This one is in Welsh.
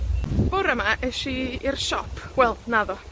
Bore 'ma esh i i'r siop. Wel, naddo.